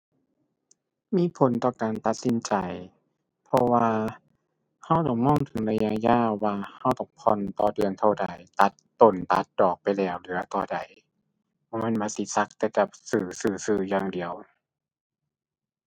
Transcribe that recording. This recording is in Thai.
มีผลต่อการตัดสินใจ เพราะว่าเราต้องมองถึงระยะยาวว่า เราต้องผ่อนต่อเดือนเท่าใด ตัดต้นตัดดอกไปแล้วเหลือต่อใด บ่แม่นว่าสิสักแต่กับซื้อ ซื้อ ซื้ออย่างเดียว